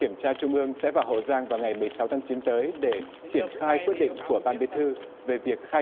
kiểm tra trung ương sẽ vào hậu giang vào ngày mười sáu tháng chín tới để triển khai quyết định của ban bí thư về việc khai